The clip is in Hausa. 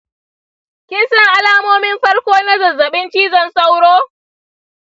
kin san alamomin farko na zazzabin cizon sauro?